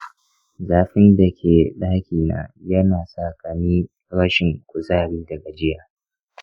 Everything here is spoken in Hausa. zafin da ke ɗakina ya na saka ni rashin kuzari da gajiya.